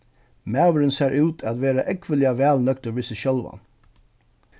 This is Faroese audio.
maðurin sær út at vera ógvuliga væl nøgdur við seg sjálvan